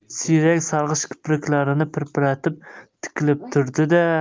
siyrak sarg'ish kipriklarini pirpiratib tikilib turdi da